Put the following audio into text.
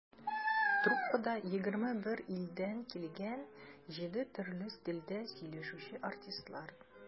Труппада - 21 илдән килгән, җиде төрле телдә сөйләшүче артистлар.